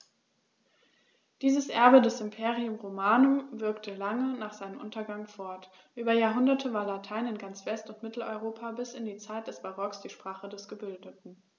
Dieses Erbe des Imperium Romanum wirkte lange nach seinem Untergang fort: Über Jahrhunderte war Latein in ganz West- und Mitteleuropa bis in die Zeit des Barock die Sprache der Gebildeten.